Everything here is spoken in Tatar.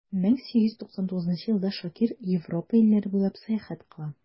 1899 елда шакир европа илләре буйлап сәяхәт кыла.